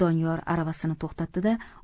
doniyor aravasini to'xtatdi da